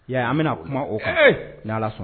Ya an bɛna kuma o ni ala sɔn